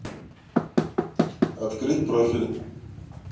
открыть профиль